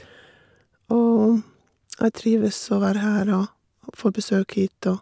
Og jeg trives å være her og og får besøk hit og...